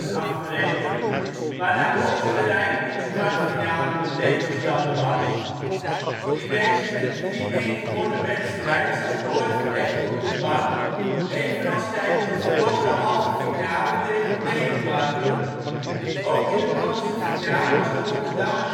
afgerekend, waarna Oostenrijk in de kwartfinale de tegenstander was. In deze met 3-1 gewonnen wedstrijd zat De Korver echter op de bank, evenals tijdens de verloren halve finale tegen Denemarken. Ook in de bronzen finale was de Rotterdammer